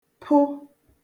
pụ